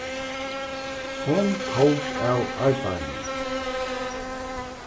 hon tók av arbeiðinum